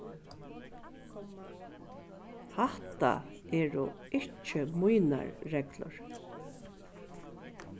hatta eru ikki mínar reglur